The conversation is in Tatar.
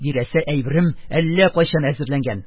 Бирәсе әйберем әллә кайчан әзерләнгән.